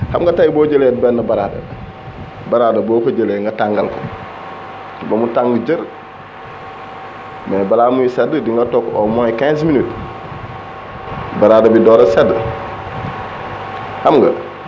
xam nga tey boo jëlee benn baraada baraada boo ko jëlee nga tàngal ko ba mu tàng jër mais balaa muy sedd di nga toog au moins 15 minutes baraada bi doog a sedd xam nga